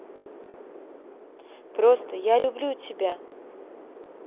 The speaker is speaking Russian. просто я люблю тебя